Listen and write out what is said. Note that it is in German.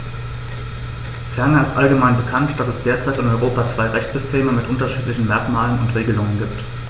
Ferner ist allgemein bekannt, dass es derzeit in Europa zwei Rechtssysteme mit unterschiedlichen Merkmalen und Regelungen gibt.